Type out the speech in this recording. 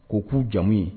K'o k'u jamu ye.